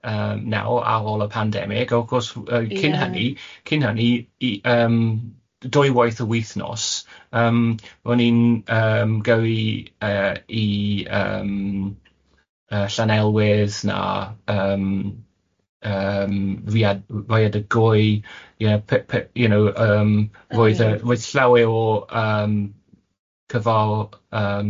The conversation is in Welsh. Yym nawr ar ôl y pandemig, a wrth gwrs... Ie. ...yy cyn hynny, cyn hynny, i yym dwy waith y wythnos, yym ro'n i'n yym gyrru yy i yym y Llanelwedd na, yym yym fiad fiadygoi ie pe- pe- you know yym roedd yy roedd llawer o yym cyfar yym